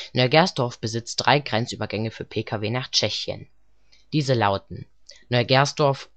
Neugersdorf besitzt drei Grenzübergänge für Pkw nach Tschechien. Diese lauten: Neugersdorf